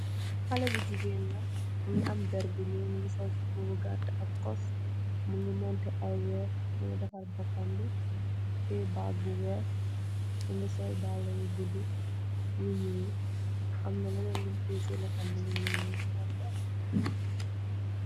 Haleh bu jigeen laah bukeh amm derr bu gull , bukeh sol mbubah bu katah ak koss , bukeh montehh ayy waii , mukeh defal bobam bi , teh bag bu weeh , bukeh sol dalah yu kuduh bu gul hamna lennen lum teh si lohom bi lu gull bukeh moteh ayy.